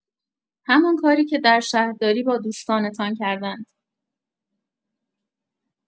همان کاری که در شهرداری با دوستان‌تان کردند.